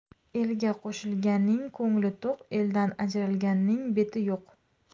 elga qo'shilganning ko'ngli to'q eldan ajralganning beti yo'q